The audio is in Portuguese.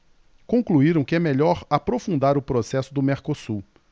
concluíram que é melhor aprofundar o processo do mercosul